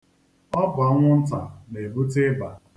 Ọ bụ anwụnta na-ebute ịba.